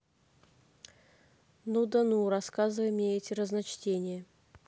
ну да ну рассказывай мне эти разночтения